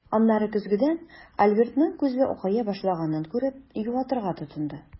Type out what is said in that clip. Аннары көзгедән Альбертның күзе акая башлаганын күреп, юатырга тотынды.